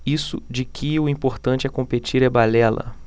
isso de que o importante é competir é balela